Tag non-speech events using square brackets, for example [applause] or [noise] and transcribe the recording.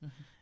[hesitation] [hesitation]